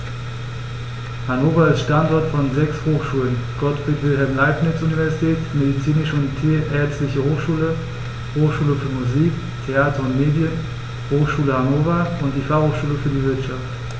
Hannover ist Standort von sechs Hochschulen: Gottfried Wilhelm Leibniz Universität, Medizinische und Tierärztliche Hochschule, Hochschule für Musik, Theater und Medien, Hochschule Hannover und die Fachhochschule für die Wirtschaft.